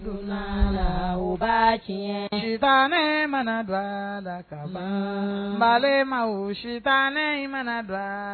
Sula ba kɛtan ne mana dilan la ka faama ba ma wu sitan in manabila